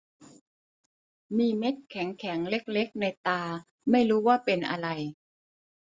มีเม็ดแข็งแข็งเล็กเล็กในตาไม่รู้ว่าเป็นอะไร